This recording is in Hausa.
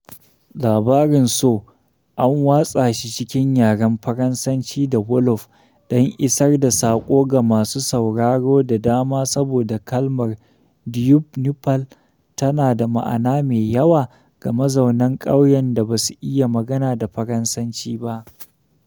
Labarin Sow an watsa shi cikin yaren Faransanci da Wolof don isar da saƙo ga masu sauraro da dama saboda kalmar ndeup neupal tana da ma'ana mai yawa ga mazaunan ƙauyen da ba su iya magana da Faransanci ba.